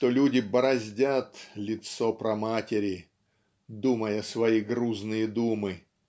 что люди бороздят "лицо праматери" думая свои грузные думы.